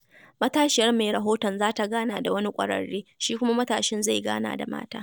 Matashiyar mai rahoton za ta gana da wani ƙwararre, shi kuma matashin zai gana da mata.